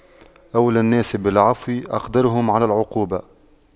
أولى الناس بالعفو أقدرهم على العقوبة